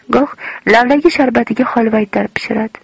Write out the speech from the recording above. goh lavlagi sharbatiga holvaytar pishiradi